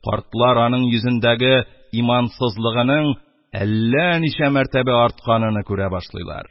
Картлар аның йөзендәге «имансызлыгының» әллә ничә мәртәбә артканыны күрә башлыйлар.